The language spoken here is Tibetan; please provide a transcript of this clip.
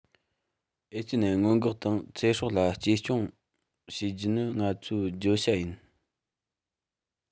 ཨེ ཙི ནད སྔོན འགོག དང ཚེ སྲོག ལ གཅེས སྲུང བྱེད རྒྱུ ནི ང ཚོའི བརྗོད བྱ ཡིན